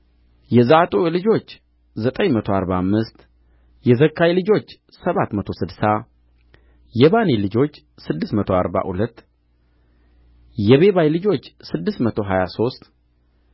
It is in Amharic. የዛቱዕ ልጆች ዘጠኝ መቶ አርባ አምስት የዘካይ ልጆች ሰባት መቶ ስድሳ የባኒ ልጆች ስድስት መቶ አርባ ሁለት የቤባይ ልጆች ስድስት መቶ ሀያ ሦስት